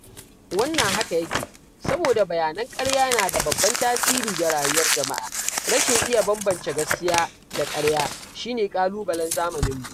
Wannan haka yake saboda bayanan ƙarya na da babban tasiri ga rayuwar jama'a; rashin iya bambance gaskiya da ƙarya shi ne ƙalubalen zamaninmu.